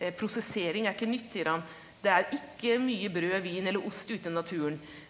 prosessering er ikke nytt sier han, det er ikke mye brød, vin eller ost ute i naturen.